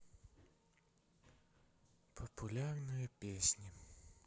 популярные песни